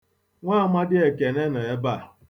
Nwaamadị Ekene nọ ebe a.